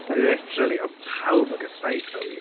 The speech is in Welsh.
Literally oedd pawb yn casáu Chloe.